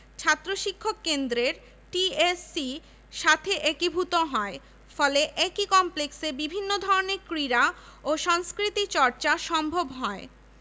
ছাত্র শিক্ষক কেন্দ্রের টিএসসি সাথে একীভূত হয় ফলে একই কমপ্লেক্সে বিভিন্ন ধরনের ক্রীড়া ও সংস্কৃতি চর্চা সম্ভব হয়